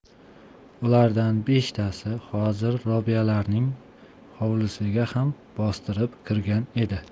ulardan beshtasi hozir robiyalarning hovlisiga ham bostirib kirgan edi